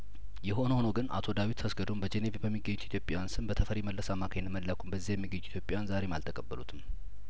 የሆነ ሆኖ ግን አቶ ዳዊት አስገዶም በጄኔቭ በሚገኙት ኢትዮጵያዊያን ስም በተፈሪ መለስ አማካኝነት መላኩን በዚያ የሚገኙ ኢትዮጵያዊያን ዛሬም አልተቀበሉትም